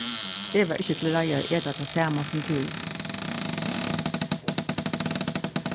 eg var ikki til reiðar at eta tað sama sum tú